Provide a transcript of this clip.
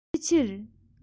ཕྱི ཕྱིར